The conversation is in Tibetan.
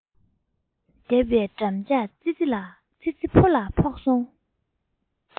བརྒྱབ པའི འགྲམ ལྕག ཙི ཙི ཕོ ལ ཕོག སོང